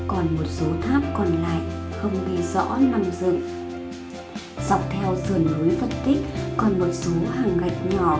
còn một số tháp còn lại không ghi rõ năm dựng dọc theo sườn núi phật tích còn một số hàng gạch nhỏ